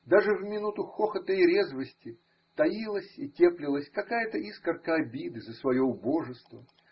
даже в минуту хохота и резвости, таилась и теплилась какая-то искорка обиды за свое убожество.